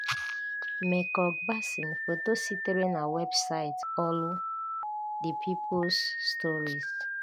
Mekong Basin. Foto sitere na webụsaịtị ọrụ The People's Stories.